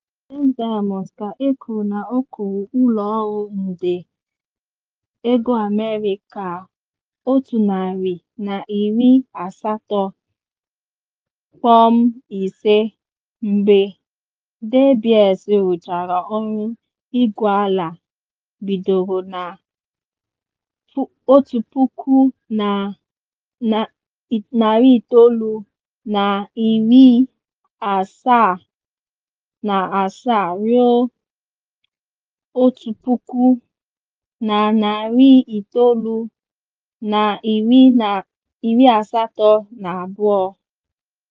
Gem Diamonds ka e kwuru na ọ kwụrụ ụlọ ọrụ nde USD118.5 mgbe De Beers rụchara ọrụ igwuala bido na 1977 ruo 1982.